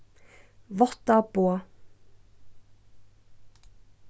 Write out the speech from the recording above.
vátta boð